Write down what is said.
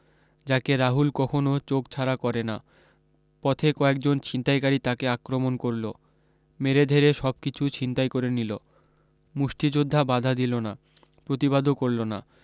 যাকে রাহুল কখনো চোখ ছাড়া করে না পথে কয়েকজন ছিনতাইকারী তাকে আক্রমণ করলো মেরেধরে সবকিছু ছিনতাই করে নিলো মুষ্ঠি যোদ্ধা বাধা দিলো না প্রতিবাদও করলো না